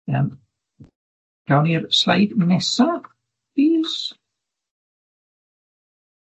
Yym gawn ni'r sleid nesa plîs?